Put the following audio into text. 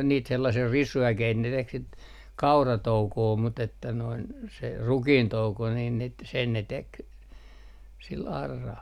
on niitä sellaisia risuäkeitä ne teki sitä kauratoukoa mutta että noin se rukiintouko niin - sen ne teki sillä auralla